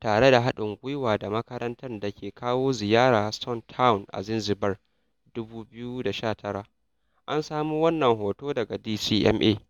tare da haɗin gwiwa da makaɗan da ke kawo ziyara Stone Town a Zanzibar, 2019. An samo wannan hoto daga DCMA.